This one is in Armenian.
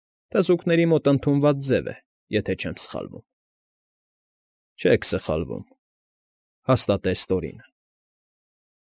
Թզուկների մոտ ըդունված ձև է, եթե չեմ սխալվում։ ֊ Չեք սխալվում, ֊ հաստատեց Տորինը։ ֊